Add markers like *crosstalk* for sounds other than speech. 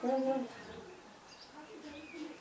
*hesitation* *hesitation* *crosstalk*